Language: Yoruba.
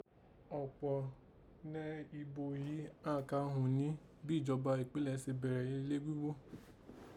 Ọ̀pọ́ nẹ́ ibo yìí àán ka ghùn ni bí ìjọba ìpínlè se bẹ̀rẹ̀ ilé ghíghó